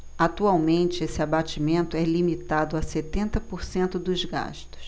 atualmente esse abatimento é limitado a setenta por cento dos gastos